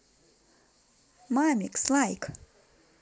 мамикс лайк